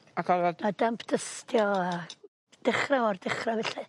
Ac o'dd o... A damp dystio a dechre or dechra felly.